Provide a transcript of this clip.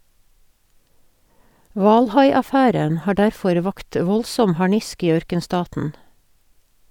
Hvalhaiaffæren har derfor vakt voldsom harnisk i ørkenstaten.